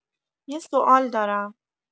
یه سوال دارم